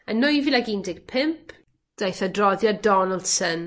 Yn nwy fil ag un deg pump, daeth Adroddiad Donaldson